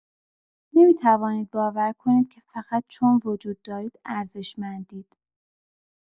نمی‌توانید باور کنید که فقط چون وجود دارید ارزشمندید.